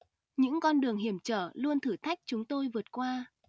những con đường hiểm trở luôn thử thách chúng tôi vượt qua